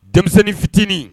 Denmisɛnnin fitinin